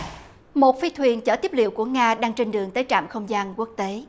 một phi thuyền chở tiếp liệu của nga đang trên đường tới trạm không gian quốc tế